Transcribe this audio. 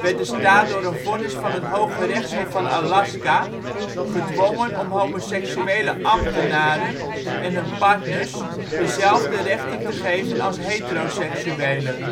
werd de staat door een vonnis van het Hooggerechtshof van Alaska gedwongen om homoseksuele ambtenaren en hun partners dezelfde rechten te geven als heteroseksuelen